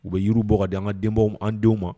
U bɛ yɔgɔ d anga denbaw an denw ma